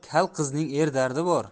kal qizning er dardi bor